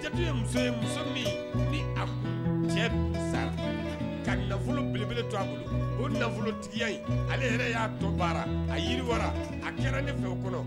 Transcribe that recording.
Ja ye muso ye muso min ni a cɛ sara ka nafolo belebele to a bolo o nafolo tigiya ale y'a to baara a yiriwa a kɛra ne fɛ kɔnɔ